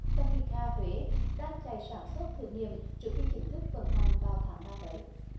phen đi ca huế đang chạy sản xuất thử nghiệm trước khi chính thức vận hành vào tháng ba tới